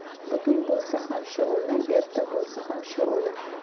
bugun bo'lsa ham shu o'lim erta bo'lsa ham shu o'lim